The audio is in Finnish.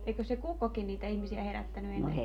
eikös se kukkokin niitä ihmisiä herättänyt ennen